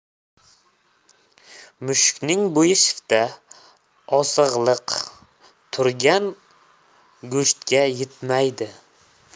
mushukning bo'yi shiftda osig'liq turgan go'shtga yetmaydi